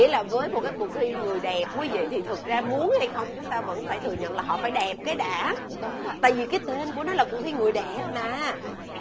nghĩa là với một cuộc thi người đẹp quý vị thì thực ra muốn hay không chúng ta vẫn phải thừa nhận là họ phải đẹp cái đã tại vì cái tên của nó là cuộc thi người đẹp mà